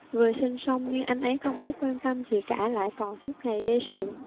vừa sinh xong nhưng anh ấy không biết quan tâm gì cả lại còn suốt ngày gây sự